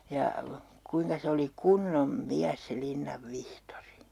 ja kuinka se oli kunnon mies se Linnan Vihtori